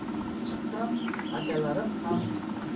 chiqsam akalarim ham